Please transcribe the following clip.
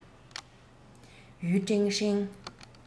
ཡུས ཀྲེང ཧྲེང